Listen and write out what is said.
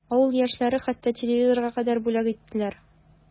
Авыл яшьләре хәтта телевизорга кадәр бүләк иттеләр.